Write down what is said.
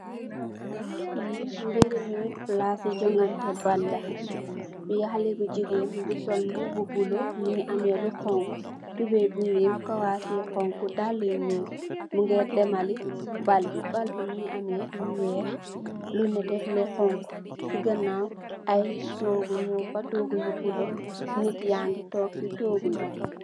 Fi mbèreèm mi palaas su jogantè baal la. Fi haley bu jigeen mungi sol mbubu bu bulo, mungi ameh lu honku, tubeye bu ñuul kawaas yu honku, daali yu ñuul mu ngè demali baal bi. Baal bi mungi ameh lu weeh, lu nètè, lu honku. Ci ganaaw ay toogu nung fa. Toogu yu bulo, nit ya ngi toog ci toogu yi.